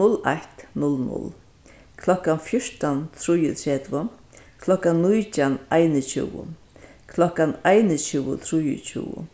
null eitt null null klokkan fjúrtan trýogtretivu klokkan nítjan einogtjúgu klokkan einogtjúgu trýogtjúgu